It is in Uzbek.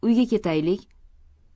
uyga ketaylik